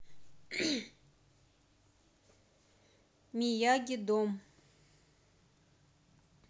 мияги дом